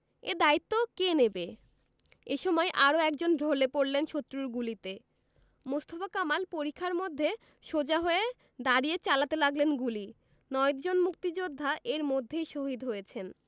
এ দায়িত্ব কে নেবে এ সময় আরও একজন ঢলে পড়লেন শত্রুর গুলিতে মোস্তফা কামাল পরিখার মধ্যে সোজা হয়ে দাঁড়িয়ে চালাতে লাগলেন গুলি নয়জন মুক্তিযোদ্ধা এর মধ্যেই শহিদ হয়েছেন